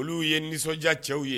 Olu ye nisɔndiya cɛw ye